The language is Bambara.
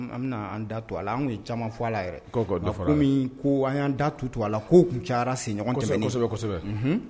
An bɛna an da to ala anw caman fɔ ala yɛrɛ kɔmi ko an y'an da tu to a la k' tun ca sigiɲɔgɔnsɛbɛ